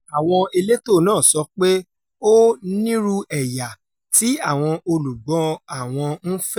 Àwọn elétò náà sọ pé ó "nírú ẹ̀yà" tí àwọn olugbọ́ àwọn ń fẹ́.